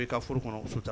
A foro kɔnɔ so